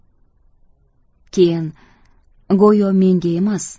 keyin go'yo menga emas